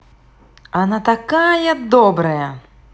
она такая добрая